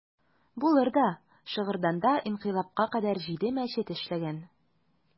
Булыр да, Шыгырданда инкыйлабка кадәр җиде мәчет эшләгән.